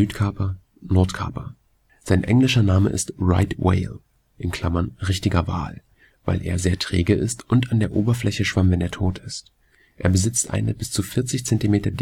Südkaper, Nordkaper: Sein englischer Name ist „ right whale “(richtiger Wal), weil er sehr träge ist und an der Oberfläche schwamm, wenn er tot ist. Er besitzt eine bis zu 40 cm